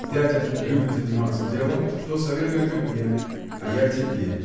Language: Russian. Дядя любит заниматься делом, что советует и мне, а я тебе